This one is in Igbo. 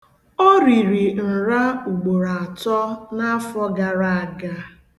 O riri nra ugboro atọ n'afọ gara aga.